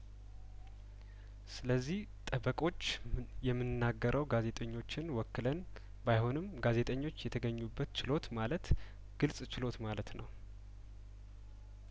ስለዚህ ጠበቆች የምንና ገረው ጋዜጠኞችን ወክለን ባይሆንም ጋዜጠኞች የተገኙበት ችሎት ማለት ግልጽ ችሎት ማለት ነው